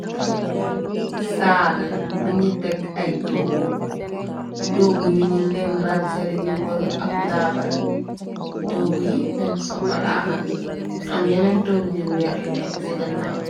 Saal buñu tekk ay toogu toogu yu ñin leen rang seli ñi wër ab taabal toogu yi feen sokola am yeneen toogu yuy weex yu nekk ci gannaawa.